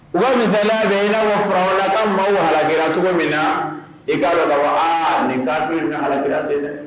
U bɛ mila ɲɛna furala tan bawkira cogo min na i ka la a nin taa ni alakira ten dɛ